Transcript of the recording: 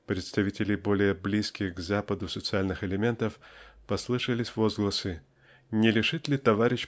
представителей более близких к Западу социальных элементов послышались возгласы "не лишит ли тов.